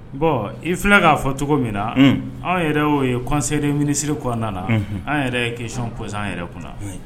Bɔn i filɛ k'a fɔ cogo min na anw yɛrɛ o ye kɔseere minisiriri kɔnɔnaan na an yɛrɛ ye kecon kɔsan yɛrɛ kunna